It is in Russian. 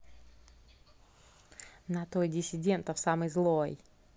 на той диссидентов самый злой